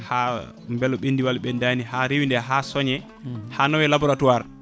ha beela ɓendi walla ɓendani ha rewide ha sooñe ha nawe laboratoire